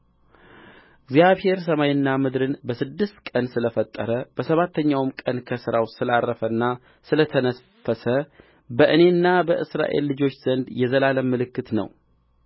እግዚአብሔር ሰማይንና ምድርን በስድስት ቀን ስለ ፈጠረ በሰባተኛውም ቀን ከሥራው ስላረፈና ስለ ተነፈሰ በእኔና በእስራኤል ልጆች ዘንድ የዘላለም ምልክት ነው